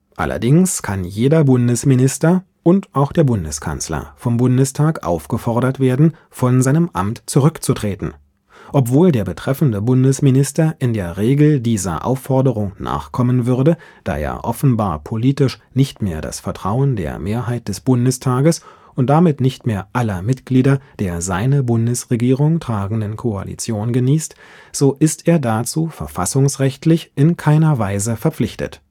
Allerdings kann jeder Bundesminister (und auch der Bundeskanzler) vom Bundestag aufgefordert werden, von seinem Amt zurückzutreten. Obwohl der betreffende Bundesminister in der Regel dieser Aufforderung nachkommen würde, da er offenbar politisch nicht mehr das Vertrauen der Mehrheit des Bundestages (und damit nicht mehr aller Mitglieder der seine Bundesregierung tragenden Koalition) genießt, so ist er dazu verfassungsrechtlich in keiner Weise verpflichtet